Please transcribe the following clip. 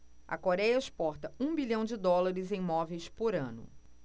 a coréia exporta um bilhão de dólares em móveis por ano